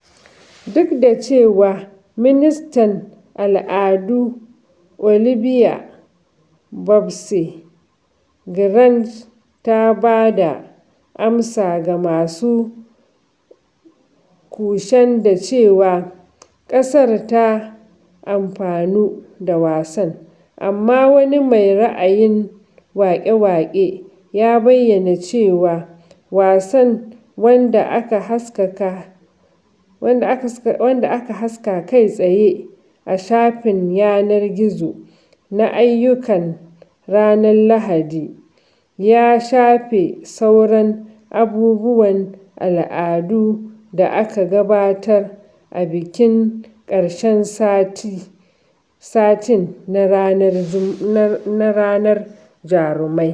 Duk da cewa Ministan Al'adu Oliɓia "Babsy" Grange ta ba da amsa ga masu kushen da cewa ƙasar ta amfanu da wasan, amma wani mai ra'ayin waƙe-waƙe ya bayyana cewa, wasan wanda aka haska kai tsaye a shafin yanar gizo na aiyukan ranar Lahadi, ya "shafe" sauran abubuwan al'adu da aka gabatar a bikin ƙarshen satin na Ranar Jarumai.